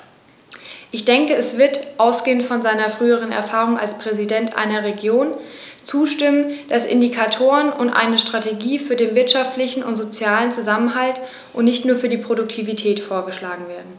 Ich denke, er wird, ausgehend von seiner früheren Erfahrung als Präsident einer Region, zustimmen, dass Indikatoren und eine Strategie für den wirtschaftlichen und sozialen Zusammenhalt und nicht nur für die Produktivität vorgeschlagen werden.